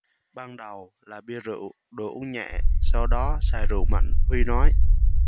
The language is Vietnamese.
ban đầu là bia rượu đồ uống nhẹ sau đó xài rượu mạnh huy nói